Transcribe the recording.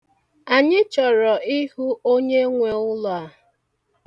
Anyị chọrọ ihụ onyenwe ụlọ a.